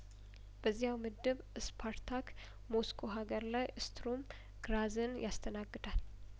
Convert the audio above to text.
በዚያው ምድብ እስፓርታክ ሞስኮ ሀገሩ ላይ ስት ሩም ግራዝን ያስተናግዳል